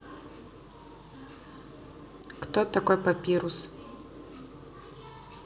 кто такой папирус